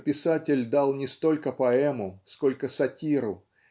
что писатель дал не столько поэму сколько сатиру